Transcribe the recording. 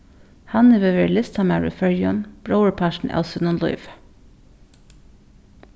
hann hevur verið listamaður í føroyum bróðurpartin av sínum lívi